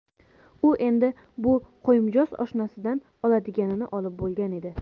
u endi bu qo'y mijoz oshnasidan oladiganini olib bo'lgan edi